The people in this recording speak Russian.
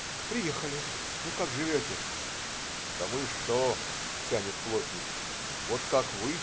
"Приехали, ну как живете?" - "Да мы что,- тянет плотник,- вот как вы?.